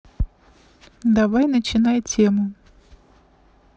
давай начинай тему